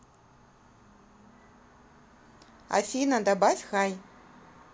афина добавь хай